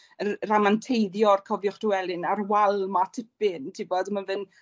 yn ramateiddio'r cofioch Drewelyn a'r wal 'ma tipyn ti'bod, ma' fe'n